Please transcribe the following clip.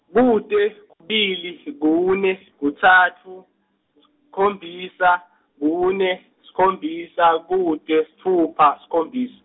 kute, kubili, kune, kutsatfu , sikhombisa, kune, sikhombisa, kute, sitfupha, sikhombis-.